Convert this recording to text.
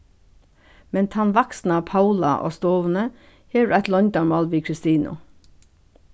men tann vaksna paula á stovuni hevur eitt loyndarmál við kristinu